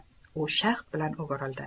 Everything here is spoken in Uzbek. u shaxt bilan o'girildi